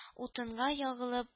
Утынга ягылып